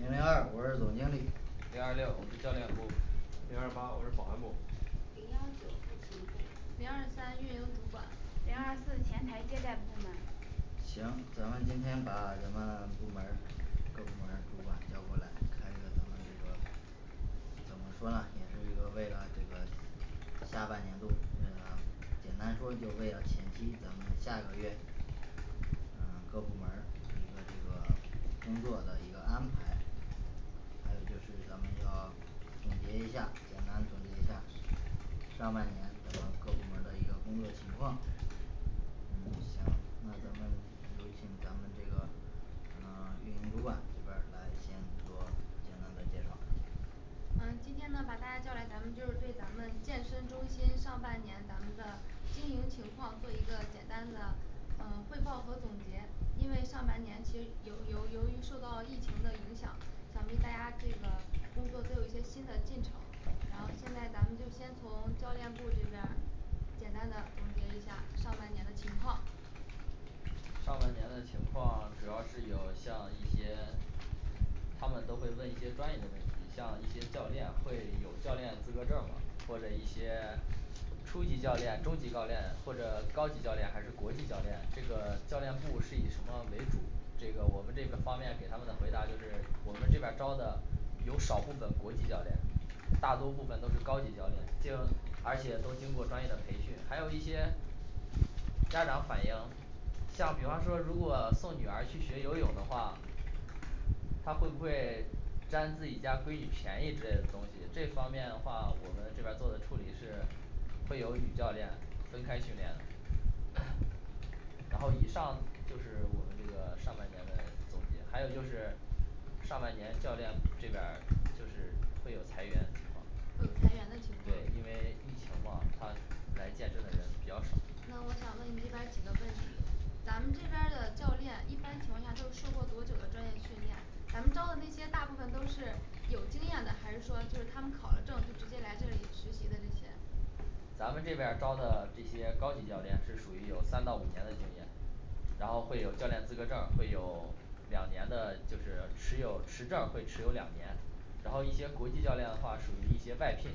零零二我是总经理零二六我是教练部零二八我是保安部零幺九后勤部零二三运营主管零二四前台接待部门行，咱们今天把咱们部门儿各部门儿主管叫过来开一个咱们这个怎么说呢也是一个为了这个下半年度嗯 简单说就为了前期咱们下个月嗯各部门儿一个这个 工作的一个安排，还有就是咱们要总结一下，简单总结一下上半年各部门儿的一个工作情况嗯行。那咱们有请咱们这个嗯 运营主管这边儿来先做简单的介绍嗯今天呢把大家叫来，咱们就是对咱们健身中心上半年咱们的经营情况做一个简单的呃汇报和总结，因为上半年其实由由由于受到疫情的影响，想必大家这个工作都有一些新的进程然后现在咱们就先从教练部这边儿简单的总结一下上半年的情况上半年的情况主要是有像一些他们都会问一些专业的问题，像一些教练会有教练资格证儿嘛，或者一些初级教练中级教练或者高级教练还是国际教练，这个教练部是以什么为主？这个我们这个方面给他们的回答就是我们这边儿招的有少部分国际教练，大多部分都是高级教练，并而且都经过专业的培训，还有一些家长反映，像比方说如果送女儿去学游泳的话他会不会占自己家闺女便宜之类的东西？这方面的话，我们这边儿做的处理是会有女教练分开训练了 然后以上就是我们这个上半年的总结还有就是上半年教练这边儿就是会有裁员情况会有裁员的情况对，因为疫情嘛到呃来健身的人比较少那我想问你这边儿几个问题咱们这边儿的教练一般情况下都受过多久的专业训练？咱们招的那些大部分都是有经验的，还是说就是他们考了证就直接来这里实习的这些？咱们这边儿招的这些高级教练是属于有三到五年的经验然后会有教练资格证儿，会有两年的就是持有持证会持有两年，然后一些国际教练的话属于一些外聘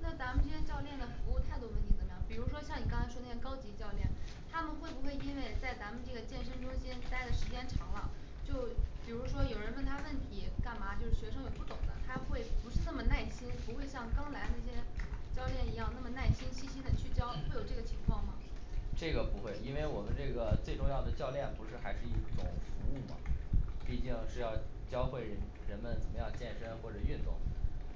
那咱们这些教练的服务态度问题怎么样？比如说像你刚才说那些高级教练，他们会不会因为在咱们这个健身中心待的时间长了就比如说有人问他问题干嘛，就是学生有不懂的，他会不是那么耐心，不会像刚来那些教练一样那么耐心细心的去教会有这个情况吗？这个不会，因为我们这个最重要的教练不是还是一个服务嘛，毕竟是要教会人人们怎么样健身或者运动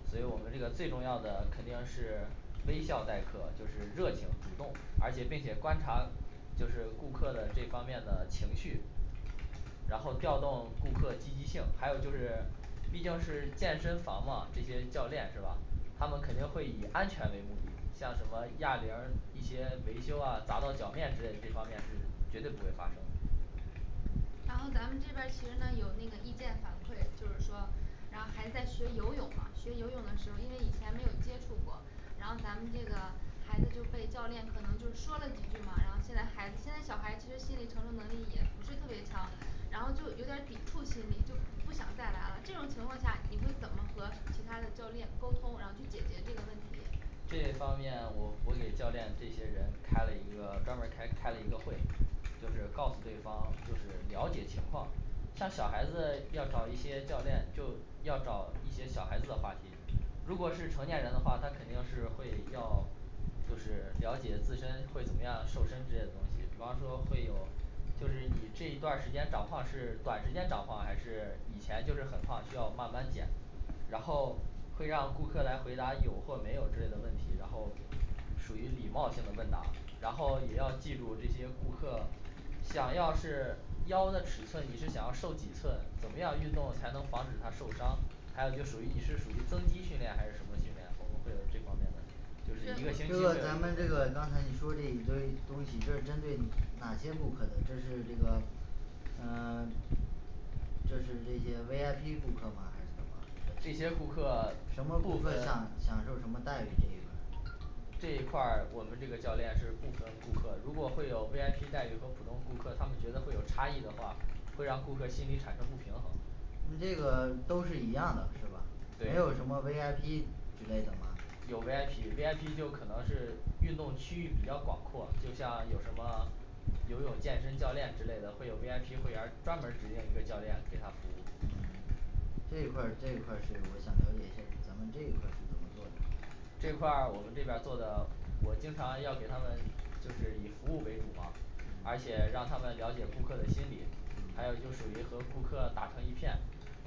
所以这个我们最重要的肯定是微笑待客就是热情主动，而且并且观察就是顾客的这方面的情绪然后调动顾客积极性，还有就是毕竟是健身房嘛这些教练是吧？他们肯定会以安全为目的，像什么哑铃儿一些维修啊砸到脚面之类这方面是绝对不会发生然后咱们这边儿其实呢有那个意见反馈，就是说然后孩子在学游泳啊学游泳的时候，因为以前没有接触过然后咱们这个孩子就被教练可能就说了几句嘛，然后现在孩子现在小孩其实心理承受能力也不是特别强，然后就有点儿抵触心理，就不想再来了，这种情况下你会怎么和其他的教练沟通，然后去解决这个问题？这一方面我我给教练这些人开了一个专门儿开开了一个会，就是告诉对方就是了解情况像小孩子要找一些教练就要找一些小孩子的话题，如果是成年人的话，他肯定是会要就是了解自身会怎么样瘦身之类的东西，比方说会有就是你这一段儿时间长胖是短时间长胖，还是以前就是很胖需要慢慢减然后会让顾客来回答有或没有之类的问题，然后属于礼貌性的问答，然后也要记住这些顾客想要是腰的尺寸，你是想要瘦几寸，怎么样运动才能防止他受伤，还有就属于你是属于增肌训练还是什么训练我们会有这方面的就是一个星期除了咱们这个刚才你说这堆东西都是针对你哪些顾客呢就是这个嗯 就是这些V I P顾客吗还是怎么，这些顾客什么顾顾客客享享受什么待遇这一块这一块儿我们这个教练是不分顾客，如果会有V I P待遇和普通顾客他们觉得会有差异的话，会让顾客心里产生不平衡你这个都是一样的是吧？对没，有什么V I P之类的吗有V I P V I P就可能是运动区域比较广阔，就像有什么游泳健身教练之类的，会有V I P会员儿专门儿指定一个教练给他服务。嗯这一块儿这一块儿是我想了解一下咱们这一块儿是怎么做的这块儿我们这边儿做的，我经常要给他们就是以服务为主嘛，而嗯且让他们了解顾客的心理，还嗯有就是也和顾客打成一片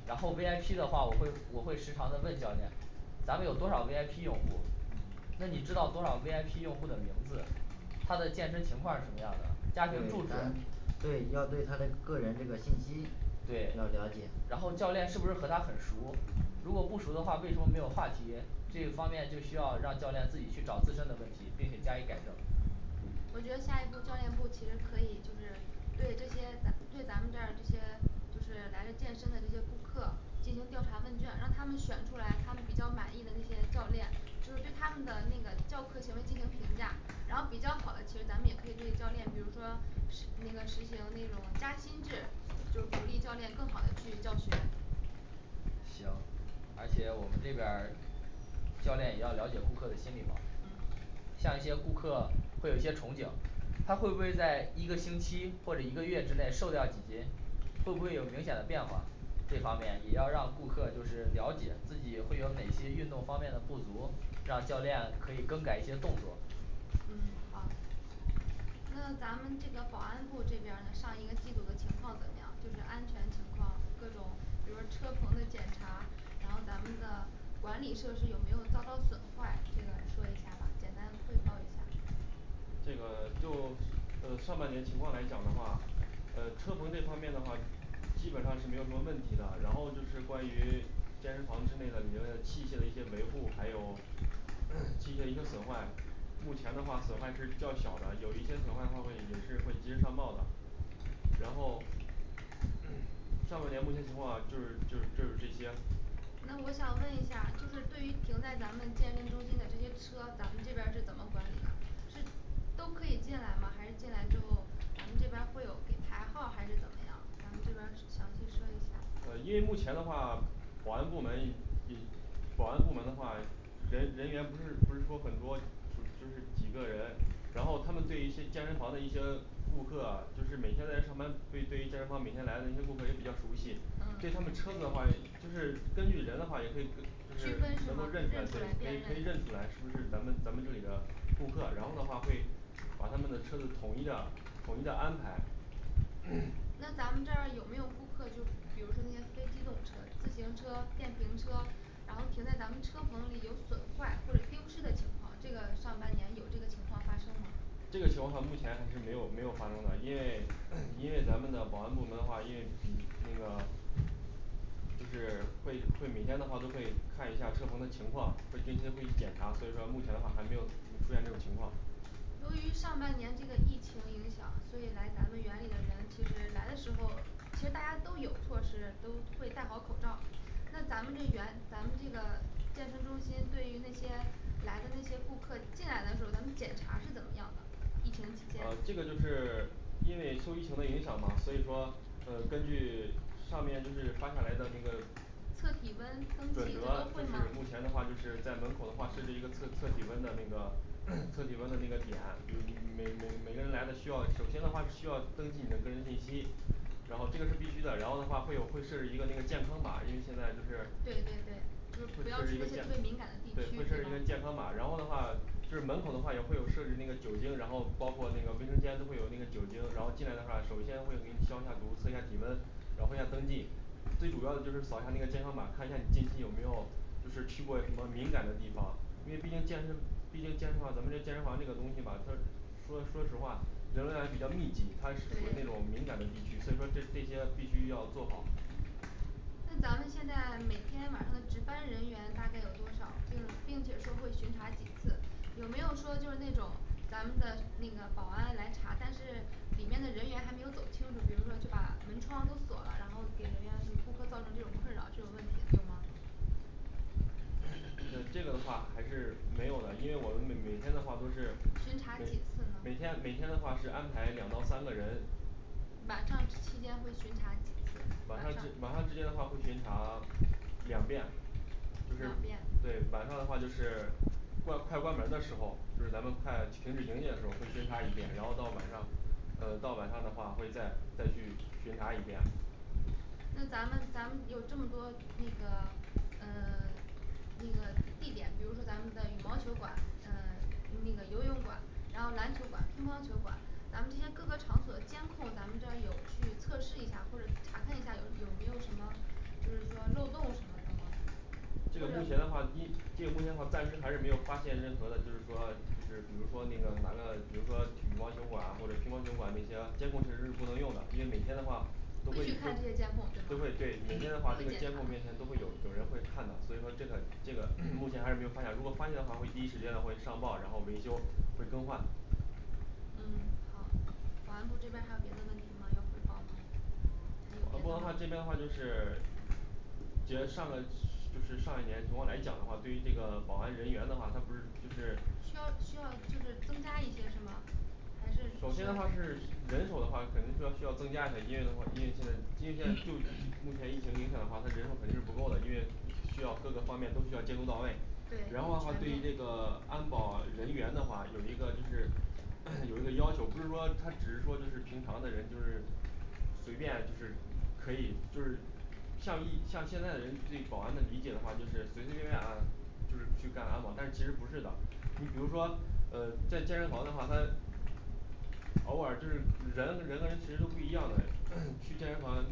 然后V I P的话我会我会时常的问教练，咱们有多少V I P用户那你知道多少个V I P用户的名字，他的嗯健身情况是什么样的对？咱家庭住址对对要对他的个人这个信息要了对解然后教练是不是和他很熟，如嗯果不熟的话为什么没有话题，嗯这个方面就需要让教员自己去找自身的问题，并且加以改正我觉得下一步教练部其实可以就是对这些咱对咱们这儿这些就是来这健身的这些顾客进行调查问卷让他们选出来他们比较满意的那些教练，就是对他们的那个教课行为进行评价，然后比较好的其实咱们也可以对教练，比如说实 那个实行那种加薪制就是鼓励教练更好的去教学行。而且我们这边儿教练也要了解顾客的心理嘛嗯？像一些顾客会有一些憧憬，他会不会再一个星期或者一个月之内瘦掉几斤？会不会有明显的变化？这方面也要让顾客就是了解自己会有哪些运动方面的不足，让教练可以更改一些动作嗯好。那咱们这个保安部这边儿呢上一个季度的情况怎么样？就是安全情况各种比如说车棚的检查，然后咱们的管理设施有没有遭到损坏，这个说一下吧简单汇报一下这个 就呃上半年情况来讲的话，呃车棚这方面的话，基本上是没有什么问题的，然后就是关于健身房之内的里面的器械的一些维护还有 器械一个损坏，目前的话损坏是较小的，有一些损坏的话我也是会及时上报的。然后 上半年目前情况就是就是就是这些那我想问一下就是对于停在咱们健身中心的这些车，咱们这边儿是怎么管理的？是都可以进来吗？还是进来之后咱们这边儿会有给排号还是怎么样？咱们这边儿详细说一下呃因为目前的话保安部门也 保安部门的话，人人员不是不是说很多就是就是几个人然后他们对一些健身房的一些顾客就是每天在上班，对于对于健身房每天来的一些顾客也比较熟悉对他们嗯车子的话就是根据人的话也可以就区就是分出能够来认认出出来来，对可以辨可以认认出来是不是咱们咱们这里的顾客，然后的话会把他们的车子统一的统一的安排 那咱们这儿有没有顾客，就比如说那些非机动车、自行车、电瓶车，然后停在咱们车棚里有损坏或者丢失的情况，这个上半年有这个情况发生吗？这个情况的话目前还是没有没有发生的，因为 因为咱们的保安部门的话，因为嗯那个 就是会会每天的话都会看一下儿车棚的情况，会定期会去检查，所以说目前的话还没有嗯出现这种情况由于上半年这个疫情影响，所以来咱们园里的人其实来的时候，其实大家都有措施，都会戴好口罩那咱们这园咱们这个健身中心对于那些来的那些顾客进来的时候，咱们检查是怎么样的？疫情期呃这间个就是 因为受疫情的影响嘛，所以说呃根据上面就是发下来的那个测体温登准记则这就是些都会吗目前的话就是在门口的话设置一个测测体温的那个 测体温的那个点，比如每每每个人来的需要首先的话是需要登记你的个人信息然后这个是必须的，然后的话会有会设置一个那个健康码，因为现在就是对对对主会主要设这置是一一个个健对敏感的地会区设置一个是吗健康码，然后的话就是门口的话也会有设置那个酒精，然后包括那个卫生间都会有那个酒精，然后进来的话首先会给你消一下毒，测一下体温然后要登记最主要的就是扫一下那个健康码，看一下你近期有没有就是去过什么敏感的地方，因为毕竟健身毕竟健身房咱们这健身房这个东西吧他说说实话人流量也比较密集，它是属于那种对敏感的地区，所以说这这些必须要做好那咱们现在每天晚上的值班人员大概有多少，就是并且说会巡查几次？有没有说就是那种咱们的那个保安来查，但是里面的人员还没有走清楚，比如说去把门窗都锁了，然后给人员给顾客造成这种困扰，这个问题有吗？啊这个的话还是没有的，因为我们每每天的话都是巡查几次呃每呢天每天的话是安排两到三个人晚上期间会巡查几次，晚晚上上期晚上期间的话会巡查 两遍。就是两遍对，晚上的话就是。要过快关门儿的时候儿，就是咱们快停止营业的时候儿会巡查一遍，然后到晚上呃到晚上的话会再再去巡查一遍。那咱们咱们有这么多那个呃 那个地点，比如说咱们的羽毛球馆呃 那个游泳馆，然后篮球馆、乒乓球馆咱们这些各个场所监控，咱们这儿有去测试一下，或者查看一下有有没有什么就是说漏洞什么的吗？这个目前的话一这个目前的话暂时还是没有发现任何的就是说就是比如说那个哪个比如说羽毛球馆啊或者乒乓球馆那些监控室是不能用的，因为每天的话去看这个监都会都控对都吗会对每天的话这会个监检查控面前都会有有人看的所以说这个这个 目前的话还没有发现如果发现的话会第一时间的会上报然后会维修会更换嗯好，保安部这边儿还有别的问题吗？要汇报吗？保安部话这边的话就是 延上半期 就是上一年情况来讲的话，对于这个保安人员的话，他不是就是需要需要就是增加一些是吗？还是首需先要的话是人手的话肯定是需要需要增加一些因为的话，因为现在因为现在就疫目前疫情影响的话，它人手肯定是不够的，因为需要各个方面都需要监督到位对全然后的话对于这部个安保人员的话有一个就是 有一个要求，不是说他只是说就是平常的人就是随便就是可以就是像一像现在的人对保安的理解的话，就是随随便便就是去干安保，但是其实不是的你比如说呃在健身房的话，他偶尔就是人人跟人其实都不一样的 去健身房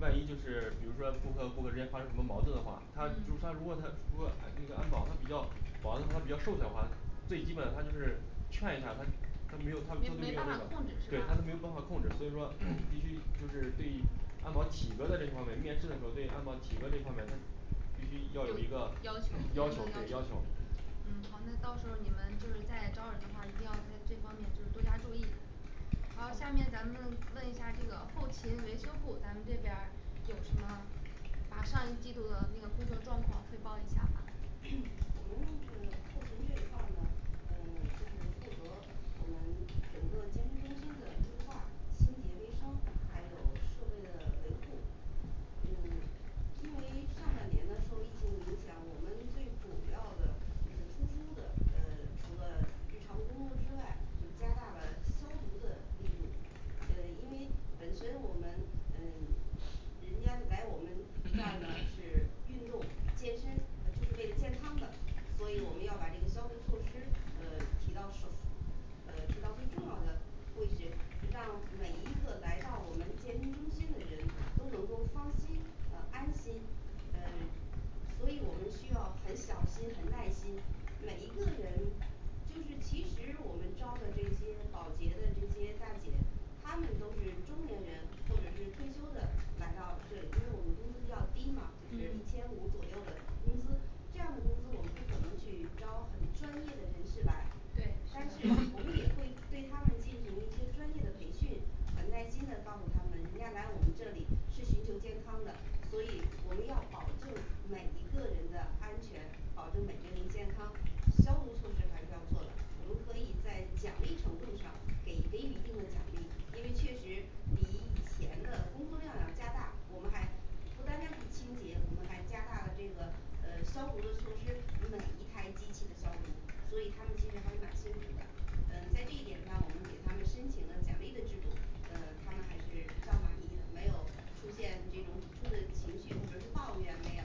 万一就是比如说顾客顾客之间发生什么矛盾的话，他就嗯算如果他如果这个安保他比较保安他比较瘦小的话最基本的他就是劝一下他，他他没有他对没这个办法控制是对吧他，没有办法控制，所以说 必须就是对安保体格的这方面面试的时候，对安保体格这方面他必须要要有求一一个个 要要求求，对要求。嗯好，那到时候你们就是再招人的话，一定要在这方面就是多加注意。好，下面咱们问一下这个后勤维修部，咱们这边儿有什么把上一季度的那个工作状况汇报 我们一这个下后吧勤这一块儿呢呃就是负责我们整个健身中心的优化、清洁卫生，还有设备的维护，嗯 因为上半年呢受疫情影响，我们最主要的就是突出的呃除了日常工作之外，就是加大了消毒的力度。呃因为本身我们嗯 人家来我们& &这儿呢是运动，健身呃就是为了健康的，所以我们要把这些消毒措施呃提到首呃提到最重要的位置，让每一个来到我们健身中心的人都能够放心呃安心呃 所以我们需要很小心很耐心，每一个人就是其实我们招的这些保洁的这些大姐他们都是中年人或者是退休的来到这里，因为我们工资比较低嘛，就是一嗯千五左右的工资，这样的工资我们不可能去招很专业的人士来但是对& &我们也会对他们进行一些专业的培训，很耐心的告诉他们人家来我们这里是寻求健康的，所以我们要保证每一个人的安全，保证每个人健康消毒措施还是要做的，我们可以在奖励程度上给给予一定的奖励，因为确实比以前的工作量要加大，我们还不单单是清洁，我们还加大了这个呃消毒的措施，给每一台机器的消毒，所以他们其实还是蛮辛苦的。 嗯在这一点上我们给他们申请了奖励的制度呃，他们还是比较满意的，没有出现这种抵触的情绪或者是抱怨没有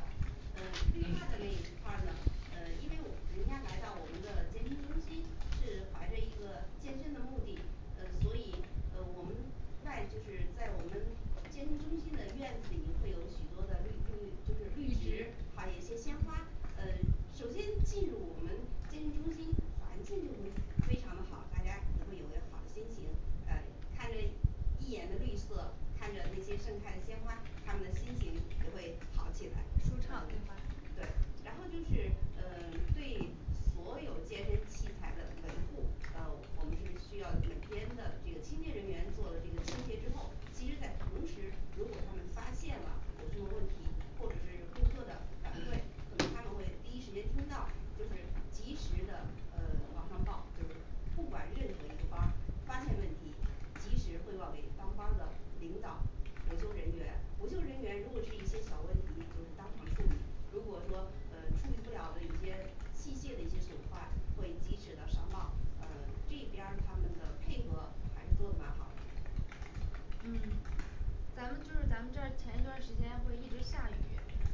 呃绿化的那一块儿呢，呃因为人家来到我们的健身中心是怀着一个健身的目的，呃所以呃我们在就是在我们健身中心的院子里会有许多的绿绿就是绿绿植植还有一些鲜花，呃首先进入我们健身中心，环境就会非常的好，大家也会有一个好的心情呃看着一眼的绿色，看着那些盛开的鲜花，他们的心情也会好起来舒畅起呃来对，然后就是呃对所有健身器材的维护，呃我们就是需要每天的这个清洁人员做这个清洁之后其实在同时如果他们发现了有什么问题，或者是顾客的反馈，可能他们会第一时间听到就是及时的呃往上报就是不管任何一个班儿发现问题，及时汇报给当班儿的领导，维修人员维修人员，如果是一些小问题就是当场处理，如果说呃处理不了的一些器械的一些损坏会及时的上报，呃这边儿他们的配合还是做得蛮好的嗯咱们就是咱们这儿前一段时间不是一直下雨，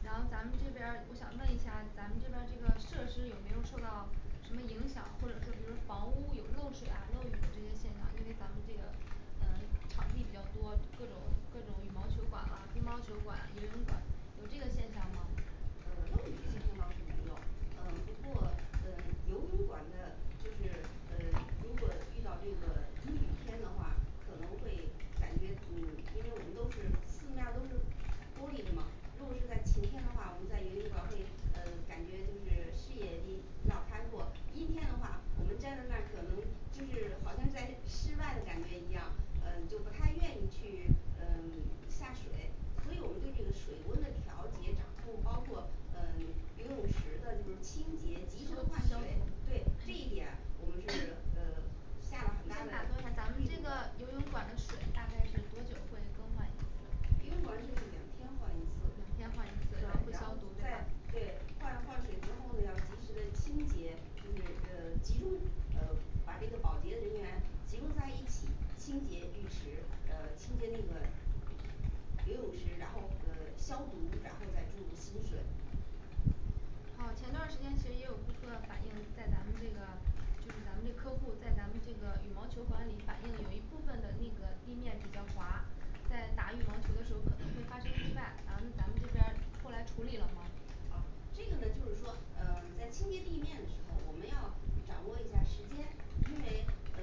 然后咱们这边儿我想问一下咱们这边儿这个设施有没有受到什么影响或者说比如房屋有漏水啊漏雨的这些现象，因为咱们这个呃 场地比较多，各种各种羽毛球馆啊、乒乓球馆啊、游泳馆有这个现象吗？嗯漏雨现象倒是没有，呃不过呃游泳馆的就是呃如果遇到这个阴雨天的话可能会感觉嗯因为我们都是四面儿都是玻璃的嘛如果是在晴天的话，我们在游泳馆会呃感觉就是视野比比较开阔，阴天的话我们站在那儿可能就是好像在室外的感觉一样呃就不太愿意去嗯下水。所以我们对这个水温的调节掌控，包括呃游泳池的清洁及时的换水，对这一点我们是呃 先下打了很大的断一功夫下儿，咱们这个游泳馆的水大概是多久会更换一次？游泳馆是两天换两天换一一次次主要，是然消后毒对吧对换换水之后要及时的清洁，就是呃集中呃把这个保洁人员集中在一起，清洁浴池呃清洁这个游泳池，然后呃消毒，然后再注入新水。好，前段儿时间其实也有顾客反映在咱们这个就是咱们这客户在咱们这个羽毛球馆里反映有一部分的那个地面比较滑在打羽毛球的时候可能会发生意外，然后咱们这边儿后来处理了吗这个呢就是说呃在清洁地面的时候，我们要掌握一下时间，因为呃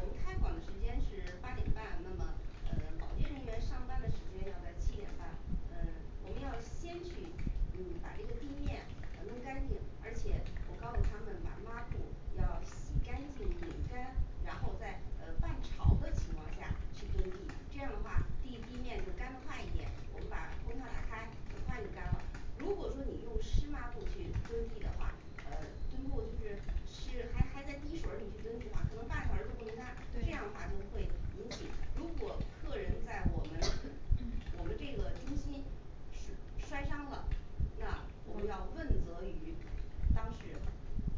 我们开馆的时间是八点半，那么呃保洁人员上班的时间要在七点半，嗯我们要先去嗯把这个地面弄干净，而且我告诉他们把抹布要洗干净拧干，然后在呃半潮的情况下去蹲地，这样的话地地面就干的快一点，我们把空调打开很快就干了。如果说你用湿抹布去蹲地的话，呃蹲布就是湿还还在滴水你去蹲地的话，可能半个小时都不能对干，这样的话就会对引起如果客人在我们 我们这个中心摔伤了，那我们要问责于当事人，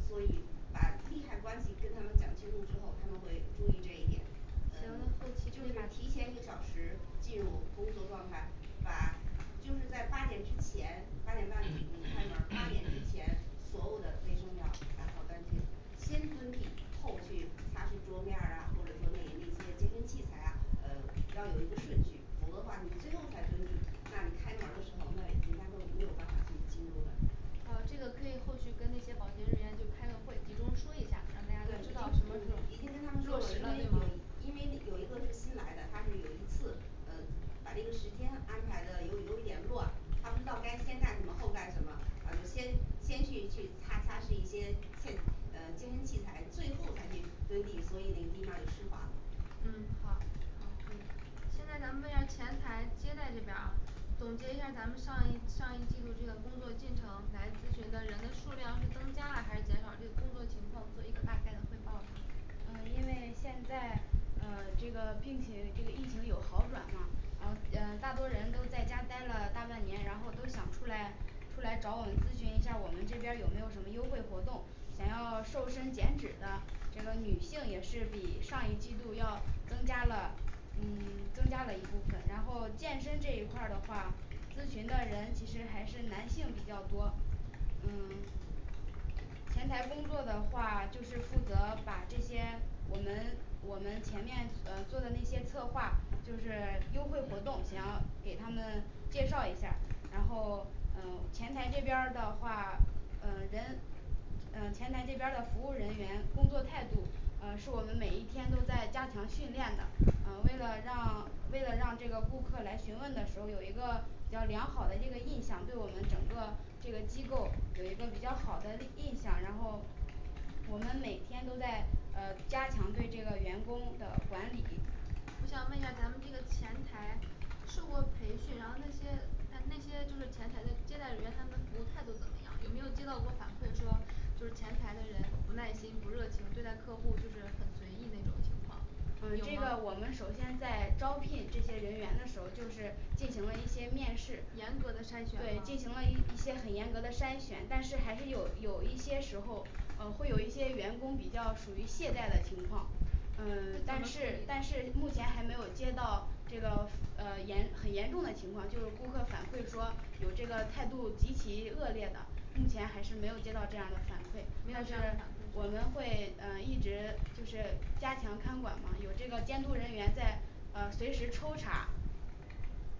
所以把利害关系跟他们讲清楚之后，他们会注意这一点。行，那后期就注意是点儿提前一个小时进入工作状态，把就是在八点之前八点半你开门儿八点之前&& 所有的卫生要打扫干净，先蹲地后去擦拭桌面儿啊，或者说那那些健身器材啊呃要有一个顺序，否则的话你最后才蹲地，那你开门儿的时候那人家都没有办法去进入的好，这个可以后续跟那些保洁人员就开个会，集中说一下对已经什么，让大家都知道什么已经跟他们，说落过，实了因为对有吗因为有一个是新来的，他是有一次呃把这个时间安排的有有一点儿乱，他不知道该先干什么后干什么，然后就先先去去擦擦拭一些器 呃健身器材，最后才去蹲地，所以那地面就湿滑了嗯好好可以，现在咱们问一下前台接待这边儿啊总结一下儿咱们上一上一季度这个工作进程来咨询的人的数量是增加了还是减少这个工作情况做一个大概的汇报嗯因为现在呃这个病情这个疫情有好转嘛，然后呃大多人都在家呆了大半年，然后都想出来出来找我们咨询一下我们这边儿有没有什么优惠活动，想要瘦身减脂的的这个女性也是比上一季度要增加了嗯增加了一部分，然后健身这一块儿的话，咨询的人其实还是男性比较多嗯 前台工作的话，就是负责把这些我们我们前面呃做的那些策划，就是优惠活动你要给他们介绍一下儿。然后嗯前台这边儿的话嗯人嗯前台这边儿的服务人员工作态度嗯是我们每一天都在加强训练的，嗯为了让为了让这个顾客来询问的时候有一个比较良好的这个印象，对我们整个这个机构有一个比较好的印象，然后我们每天都在呃加强对这个员工的管理我想问一下咱们这个前台受过培训，然后那些呃那些就是前台的接待人员他们服务态度怎么样？有没有接到过反馈说就是前台的人不耐心不热情，对待客户就是很随意那种情况这有个吗我们首先在招聘这些人员的时候就是进行了一些面试，严格的筛选对吗进行了一一些很严格的筛选，但是还是有有一些时候呃会有一些员工比较属于懈怠的情况那怎么可嗯但是但以是目前还没有接到这个服 呃严很严重的情况，就是顾客反馈说有这个态度极其恶劣的目前还是没有接到这样的反馈没有，就这是样的反我馈是们吗会呃一直就是加强看管嘛，有这个监督人员在呃随时抽查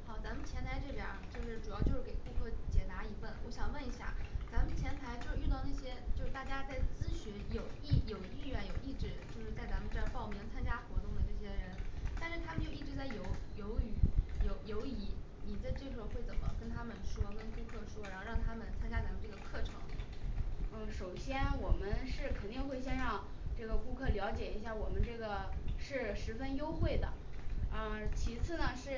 好，咱们前台这边儿啊就是主要就是给顾客解答疑问，我想问一下咱们前台就遇到那些就大家在咨询有意有意愿有意志就在咱们在报名参加活动的这些人，但是他们就一直在犹犹豫，游游移你在这时候会怎么跟他们说跟顾客说，然后让他们参加咱们这个课程？嗯首先我们是肯定会先让这个顾客了解一下，我们这个是十分优惠的嗯其次呐是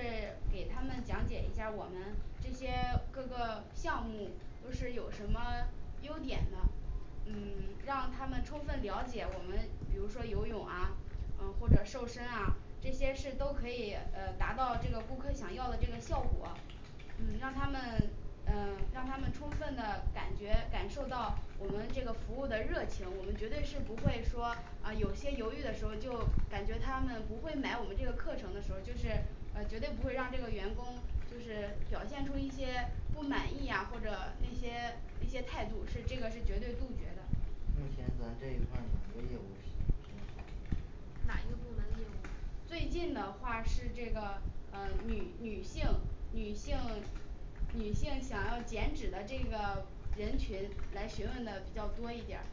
给他们讲解一下儿我们这些各个项目都是有什么优点的嗯让他们充分了解我们，比如说游泳啊呃或者瘦身啊这些是都可以呃达到这个顾客想要的这个效果。嗯 让他们 嗯让他们充分的感觉感受到我们这个服务的热情，我们绝对是不会说呃有些犹豫的时候就感觉他们不会买我们这个课程的时候儿就是呃绝对不会让这个员工就是表现出一些不满意呀，或者那些一些态度这这个是绝对杜绝的目前咱这一块儿哪个业务是 比较哪一个部门的业务，最近的话是这个呃女女性女性女性想要减脂的这个人群来询问的比较多一点儿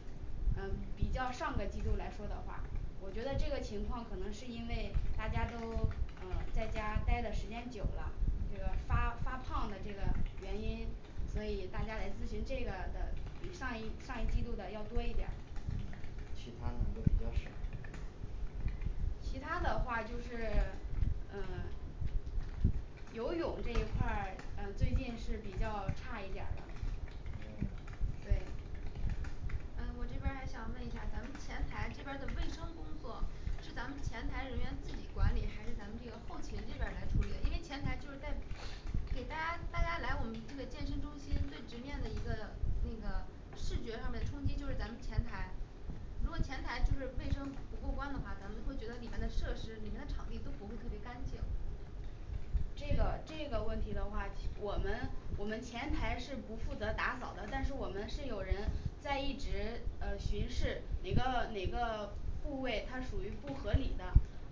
嗯嗯比较上个季度来说的话，我觉得这个情况可能是因为大家都呃在家呆的时间久了，这个嗯发发胖的这个原因所以大家来咨询这个的比上一上一季度的要多嗯一点儿，其他的都比较少。其他的话就是 嗯游泳这一块儿呃最近是比较差一点儿的嗯对呃我这边儿还想问一下儿咱们前台这边儿的卫生工作是咱们前台人员自己管理，还是咱们这个后勤这边儿来处理，因为前台就在给大家大家来我们这个健身中心最直面的一个那个视觉上面的冲击就是咱们前台，如果前台就是卫生不过关的话，咱们会觉得里面的设施里面的场地都不会特别干净。这个这个问题的话其， 我们我们前台是不负责打扫的，但是我们是有人在一直呃巡视哪个哪个部位，它属于不合理的，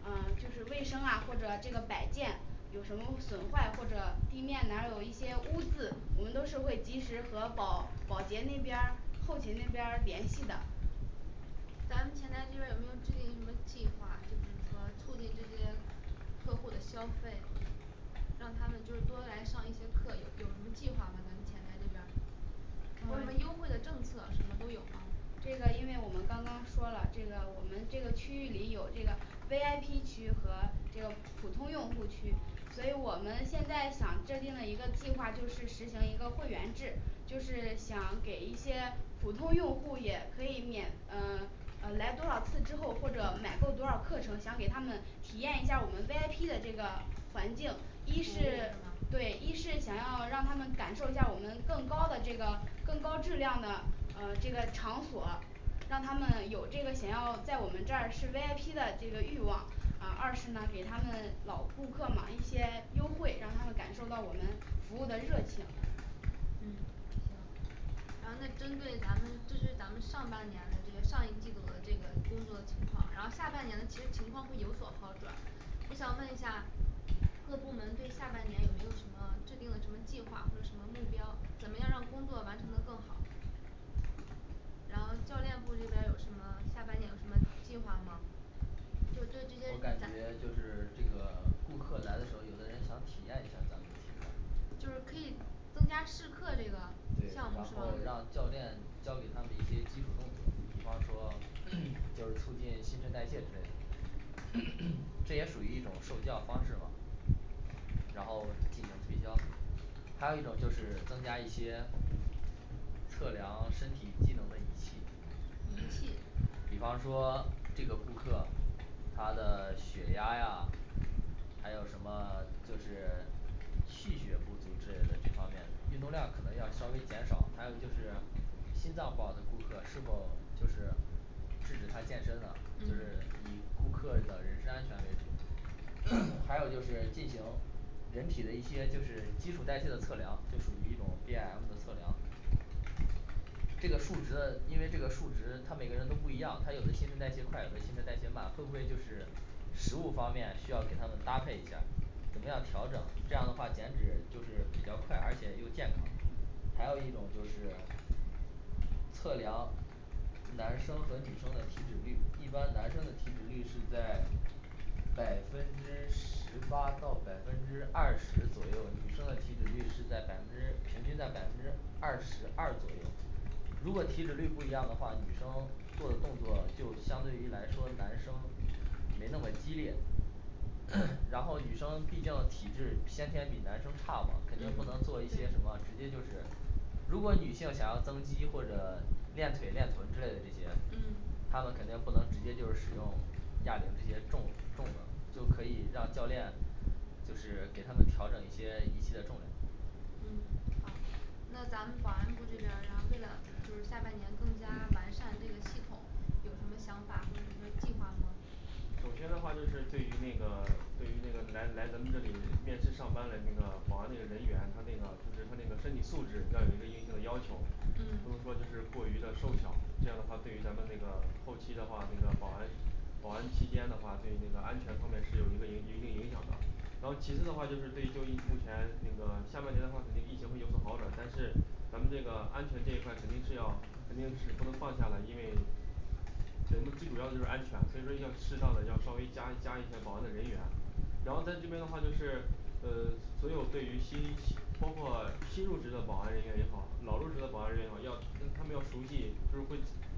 嗯就是卫生啊或者这个摆件有什么损坏，或者地面哪有一些污渍，我们都是会及时和保保洁那边儿后勤那边儿联系的。咱们前台这边有没有制定什么计划，就是说促进这些客户的消费，让他们就多来上一些课，有有什么计划吗？咱们前台这边儿或什么优惠的政策什么都有吗这个因为我们刚刚说了这个我们这个区域里有这个 V I P区和这个普通用户区所以我们现在想制定的一个计划就是实行一个会员制，就是想给一些普通用户也可以免嗯 呃来多少次之后或者买够多少课程，想给他们体验一下我们V I P的这个环境服务一是是吗对一是想要让他们感受一下我们更高的这个更高质量的呃这个场所让他们有这个想要在我们这儿是V I P的这个欲望。 啊二是呢给他们老顾客嘛一些优惠，让他们感受到我们服务的热情嗯行。 然后那针对咱们就是咱们上半年的这个上一季度的这个工作情况，然后下半年的其实情况会有所好转我想问一下各部门对下半年有没有什么制定了什么计划或者什么目标，怎么样让工作完成的更好？然后教练部这边儿有什么下半年有什么计划吗？就对这些我感咱觉就是这个顾客来的时候有的人想体验一下儿咱们这个就是可以增加试课这个对然项目后是吗让？教练教给他们一些基础动作，比方说 就是促进新陈代谢之类的 这也属于一种受教方式嘛。然后进行推销，还有一种就是增加一些 测量身体机能的仪器，仪器 比方说这个顾客他的血压呀还有什么就是气血不足之类的这方面，运动量可能要稍微减少，还有就是心脏不好的顾客是否就是制止他健身呢就是嗯以顾客的人身安全为主， 还有就是进行人体的一些就是基础代谢的测量，就属于一种B I M的测量这个数值呢因为这个数值它每个人都不一样他有的新陈代谢快有的新陈代谢慢会不会就是食物方面需要给他们搭配一下，怎么样调整，这样的话减脂就是比较快，而且又健康。还有一种就是 测量，男生和女生的体脂率，一般男生的体脂率是在百分之十八到百分之二十左右，女生的体脂率是在百分之平均在百分之二十二左右如果体脂率不一样的话，女生做的动作就相对于来说男生没那么激烈 然后女生毕竟体质先天比男生差嘛，肯定不能做一些什么嗯对直接就是如果女性想要增肌或者练腿练臀之类的这些嗯，他们肯定不能就直接使用哑铃这些重重的，就可以让教练就是给她们调整一些仪器的这种。嗯好那咱们保安部这边儿，然后为了就是下半年更加完善这个系统，有什么想法或者什么计划吗？首先的话就是对于那个对于那个来来咱们这里面试上班的那个保安那个人员，他那个就是他那个身体素质要有一个硬性的要求不能嗯说就是过于的瘦小，这样的话对于咱们那个后期的话这个保安保安期间的话对那个安全方面是一个有一定影响的。然后其次的话就是对就目前那个下半年的话肯定疫情会有所好转，但是咱们这个安全这一块肯定是要肯定是不能放下来，因为人们最主要就是安全，所以说要适当的要稍微加一加一些保安的人员。然后在这边的话就是呃，所有对于新新 包括新入职的保安人员也好，老入职的保安人员也好，要他他们要熟悉，就是会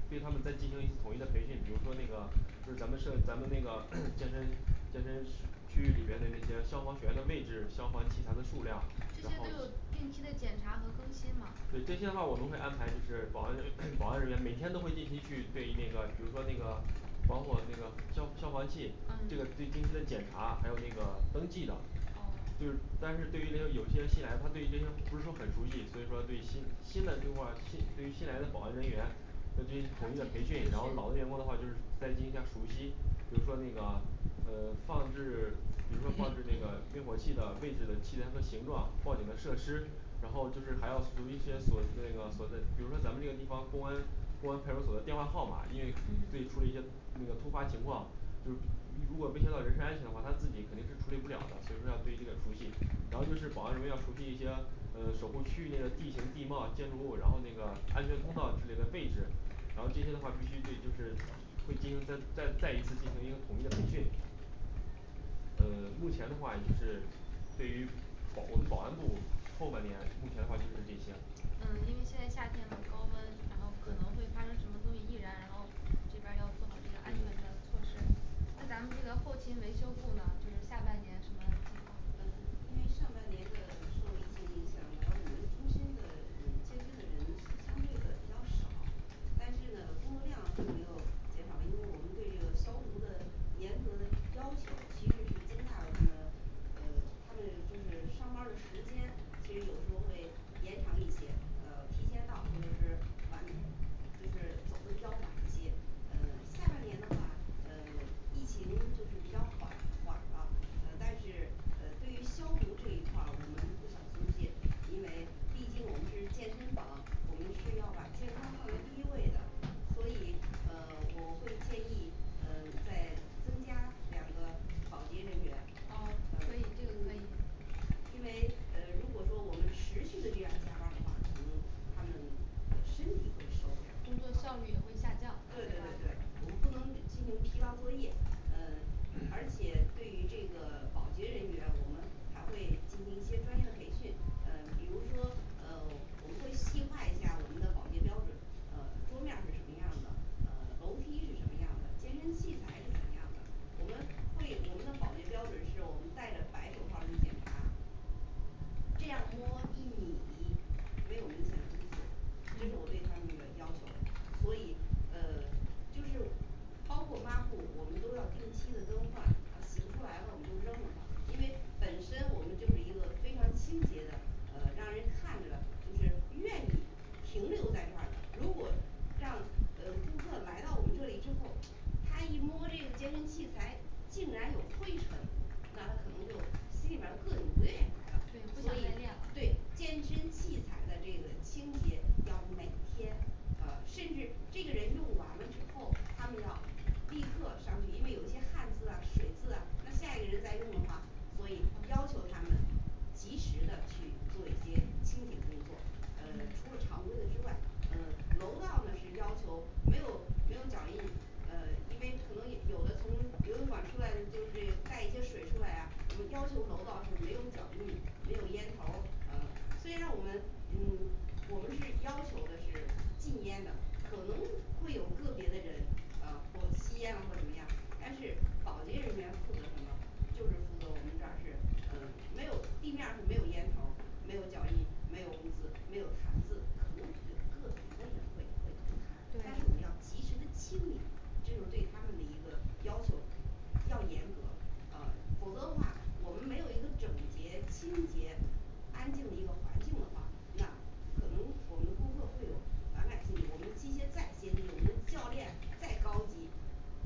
对他们再进行一次统一的培训，比如说那个就是咱们设咱们那个 健身健身区域里边的那些消防栓的位置，消防器材的这数量，然后些都有定期的检查和更新吗？对这些的话我们会安排就是保安 保安人员每天都会定期去对那个比如说那个包括那个消消防器这个对嗯定期的检查还有那个登记的就是哦但是对于这些有些新来他对于这些不是说很熟悉，所以说对新新的就话新对于新来的保安人员要进行统一的培训，然后老的员工的话就是再进行一下熟悉，比如说那个 呃放置比如说放置那个灭火器的位置的器材和形状，报警的设施然后就是还要从一些所那个所在的比如说咱们这个地方公安公安派出所的电话号码，因为嗯对处理一些那个突发情况，就如果威胁到人身安全的话，他自己肯定是处理不了的，所以说要对这个熟悉。然后就是保安人员要熟悉一些呃守护区域内的地形地貌建筑物，然后那个安全通道之类的位置然后这些的话必须对就是会进行再再再一次进行一个统一的培训。呃目前的话也就是对于保我们保安部后半年目前的话就是这些嗯因为现在夏天高温，然后可能对会发生什么东西易燃然后这边儿要做好这个安对全的对措施对嗯。那咱们后勤维修部呢就是下半年什么计划嗯因为上半年的受疫情影响呢来我们健身中心的健身的人相对的比较少，但是呢工作量并没有减少，因为我们对这个消毒的严格的要求其实是增大了他们呃他们就是上班儿的时间，其实有时候会延长一些，呃提前到或者是晚就是走得比较晚一些，呃下半年的话呃疫情就是比较缓缓了，呃但是呃对于消毒这一块儿我们不想松懈，因为毕竟我们是健身房，我们是要把健康放在第一位的，所以呃我会建议呃再增加两个保哦可洁以人员这个可以因为呃如果说我们持续的这样加班儿的话，可能他们呃身体会受不了工作效率也会下降，对对对对吧对我们不能进行疲劳作业呃而且对于这个保洁人员我们还会进行一些专业的培训，呃比如说呃我们会细化一下我们的保洁标准呃桌面儿是什么样的，呃楼梯是什么样的，健身器材是什么样的，我们会我们的保洁标准就是我们带着白手套去检查，这样摸一米没有明显的污渍，这是我对他嗯们的要求。所以呃就是包括抹布我们都要定期的更换，洗不出来了我们就扔了它，因为本身我们就是一个非常清洁的，呃让人看着就是愿意停留在这儿的，如果让呃顾客来到我们这里之后，他一摸这个健身器材竟然有灰尘那他可能就心里面儿膈应对不不想愿锻意来炼了，所以了对健身器材的这个清洁要每天呃甚至这个人用完了之后，他们要立刻上去，因为有一些汗渍啊水渍啊那下一个人再用的话，所以要求他们及时的去做一些清洁工作。 呃嗯除了常规的之外，呃楼道呢是要求没有没有脚印呃因为可能有的从游泳馆儿出来就是带一些水出来啊，我们要求楼道是没有脚印，没有烟头，呃虽然我们嗯我们是要求的是禁烟的，可能会有个别的人呃或吸烟或者怎么样，但是保洁人员负责什么？就是负责我们这儿是呃没有地面是没有烟头儿，没有脚印，没有污渍，没有痰渍，可能有个别的人会吐痰，但是我们要对及时的清理，这就是对他们的一个要求。要严格，啊否则的话我们没有一个整洁清洁安静的一个环境的话那可能我们顾客会有反感心理，我们器械再先进，我们教练再高级，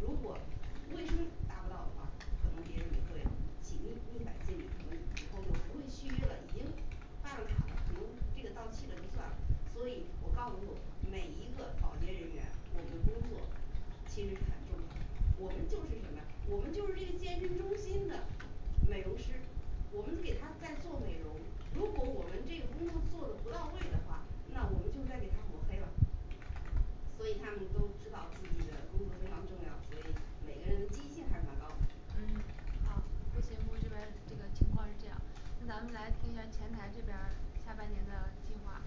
如果卫生达不到的话可能别人也会起逆反心理可能以后就不会续约了，已经办卡的可能这个到期了就算了所以我告诉每一个保洁人员，我们的工作其实是很重要，我们就是什么？我们就是这个健身中心的美容师我们给他在做美容，如果我们这个工作做的不到位的话，那我们就在给他抹黑了。所以他们都知道自己的工作非常重要，所以每个人的积极性还是蛮高嗯好。后勤部这边儿这个情况是这样，那咱们来听一下前台这边儿下半年的计划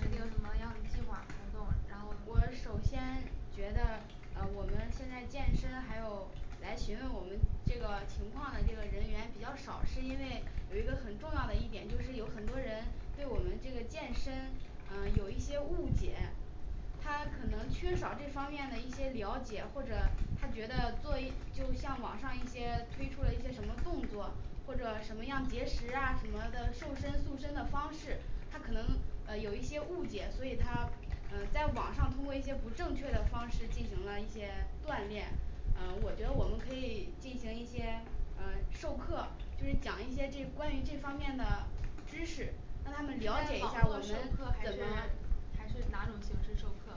制定嗯什么样的计划活动，然后我首先觉得呃我们现在健身还有来询问我们这个情况的这个人员比较少，是因为有一个很重要的一点，就是有很多人对我们这个健身嗯有一些误解他可能缺少这方面的一些了解，或者他觉得做就像网上一些推出了一些什么动作或者什么样节食啊什么的瘦身塑身的方式，他可能呃有一些误解，所以他在嗯网上通过一些不正确的方式进行了一些锻炼。呃我觉得我们可以进行一些呃授课，就是讲一些这关于这方面的知识，让是在网她们了解一下儿我络们授怎课还是么还是哪种形式授课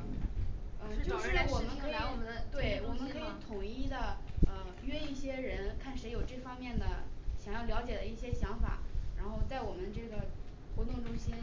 呃？是就找人来试我们听可，然后以对我们可以统一的呃约一些人，看谁有这方面的想要了解的一些想法，然后在我们这个活动中心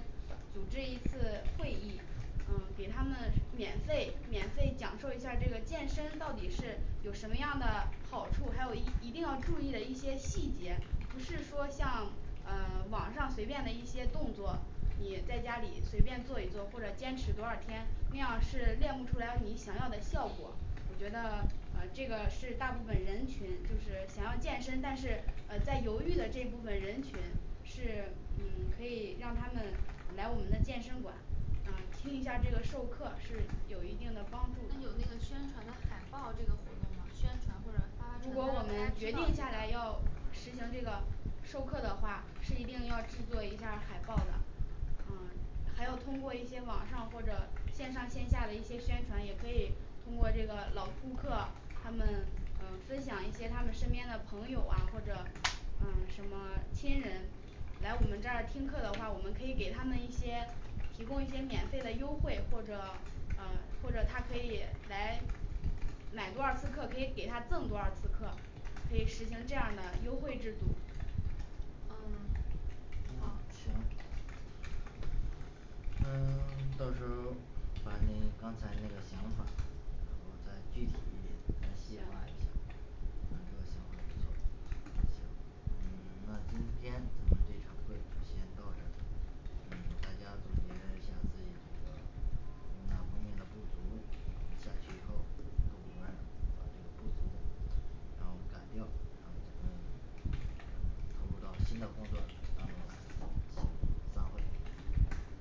组织一次会议，嗯给他们免费免费讲述一下这个健身到底是有什么样的好处，还有一一定要注意的一些细节，不是说像嗯网上随便的一些动作你在家里随便做一做或者坚持多少天，那样是练不出来你想要的效果。我觉得呃这个是大部分人群就是想要健身，但是在犹豫的这部分人群是嗯可以让他们来我们的健身馆嗯听一下儿这个授课是有一定的帮那助，有那个宣传的海报这个活动吗？ 宣传或者发如传果单让我大们家决知道一定下下来要实行这个授课的话是一定要制作一下儿海报的，嗯还要通过一些网上或者线上线下的一些宣传，也可以通过这个老顾客他们嗯分享一些他们身边的朋友啊或者嗯什么亲人。来我们这儿听课的话，我们可以给他们一些提供一些免费的优惠，或者嗯或者他可以来买多少次课，可以给他赠多少次课，可以实行这样的优惠制度。嗯好嗯。行嗯 到时候儿把你刚才那个想法然后再具体一点，再细化一行下儿你这个想法不错行嗯 那今天咱们这场会先到这儿嗯大家总结了一下自己在工作中的不足下去以后各部门把这个不足然后改掉然后投入到新的工作中，行散会嗯